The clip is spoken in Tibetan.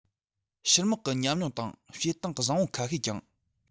ཕྱི དམག གི ཉམས མྱོང དང བྱེད སྟངས བཟང པོ ཁ ཤས ཀྱང